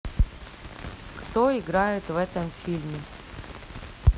кто играет в этом фильме